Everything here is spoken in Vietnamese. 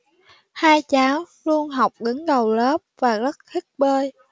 hai cháu luôn học đứng đầu lớp và rất thích bơi